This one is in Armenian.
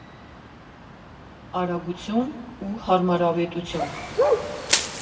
Արագություն ու հարմարավետություն։